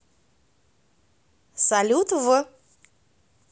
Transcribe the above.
салют в